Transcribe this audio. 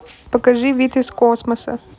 покажи вид из космоса